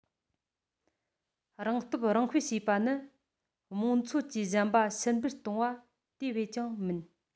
རང སྟོབས རང སྤེལ བྱེད པ ནི རྨོངས ཚོད ཀྱིས གཞན པ ཕྱིར འབུད གཏོང བ དེ བས ཀྱང མིན